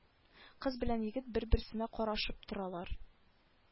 Кыз белән егет бер-берсенә карашып торалар